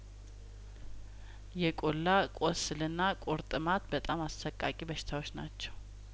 የቆላ ቁስልና ቁርጥማት በጣም አሰቃቂ በሽታዎች ናቸው